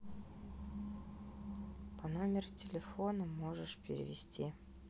по номеру телефона можешь перевести